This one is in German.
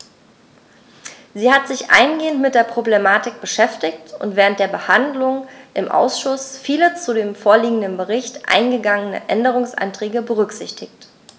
Sie hat sich eingehend mit der Problematik beschäftigt und während der Behandlung im Ausschuss viele zu dem vorliegenden Bericht eingegangene Änderungsanträge berücksichtigt.